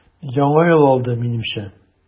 Яңа ел алды, минемчә.